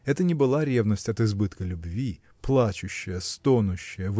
Это не была ревность от избытка любви плачущая стонущая